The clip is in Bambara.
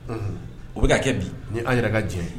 Un u bɛ ka kɛ bi ni an yɛrɛ ka diɲɛ